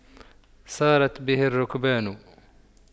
سارت به الرُّكْبانُ